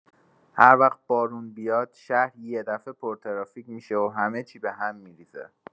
هر وقت بارون بیاد، شهر یه دفعه پرترافیک می‌شه و همه چی بهم می‌ریزه.